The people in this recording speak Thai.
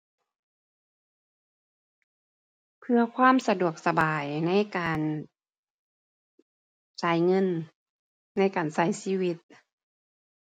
เพื่อความสะดวกสบายในการจ่ายเงิน ในการใช้ชีวิต